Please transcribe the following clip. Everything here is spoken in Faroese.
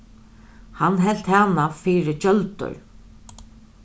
hann helt hana fyri gjøldur